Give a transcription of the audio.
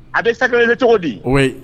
A bɛ sa cogo di o ye